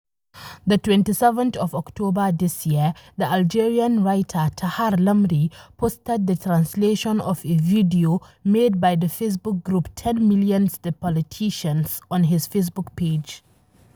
The 27th of October this year, the Algerian writer Tahar Lamri [en] posted the translation of a video [ar] made by the Facebook group 10 Millions de Politiciens [ar, fr] on his Facebook page.